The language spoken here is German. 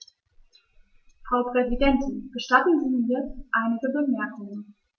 Frau Präsidentin, gestatten Sie mir einige Bemerkungen.